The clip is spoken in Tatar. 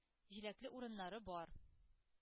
Җиләкле урыннары бар.